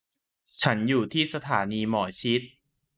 ฉันอยู่ที่สถานีหมอชิต